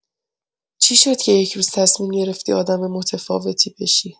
چی شد که یه روز تصمیم گرفتی آدم متفاوتی بشی؟